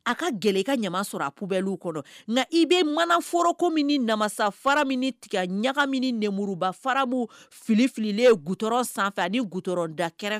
A nka i mana foroko namasa fara tigɛ ɲagamuruba faramu fili fililen g sanfɛ ani gda kɛrɛfɛ